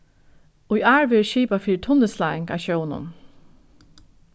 í ár verður skipað fyri tunnusláing á sjónum